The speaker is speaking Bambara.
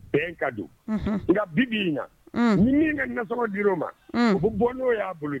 Bi ni min ka di ma o bɛ bɔ n'o y'a bolo